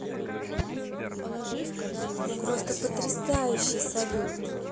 просто потрясающий салют